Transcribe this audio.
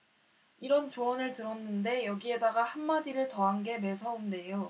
이런 조언을 들었는데 여기에다가 한마디를 더 한 게 매서운데요